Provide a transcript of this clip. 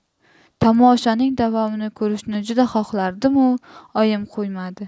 tomoshaning davomini ko'rishni juda xohlardimu oyim qo'ymadi